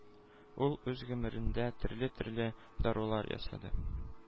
Ул үз гомерендә төрле-төрле дарулар ясады,